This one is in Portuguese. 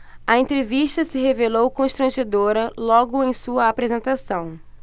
a entrevista se revelou constrangedora logo em sua apresentação